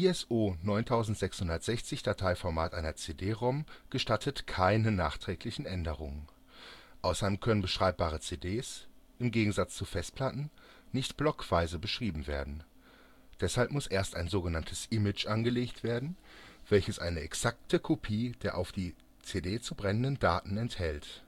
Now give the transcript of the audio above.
ISO-9660-Dateiformat einer CD-ROM gestattet keine nachträglichen Änderungen. Außerdem können beschreibbare CDs – im Gegensatz zu Festplatten – nicht blockweise beschrieben werden. Deshalb muss erst ein so genanntes „ Image “angelegt werden, welches eine exakte Kopie der auf die CD zu brennenden Daten enthält